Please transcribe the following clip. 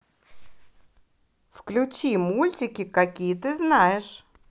включи мультики какие ты знаешь